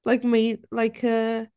Like made... like a...